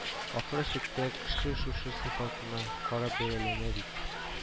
Ахры чиктә, кеше шушы сыйфатына карап бәяләнә бит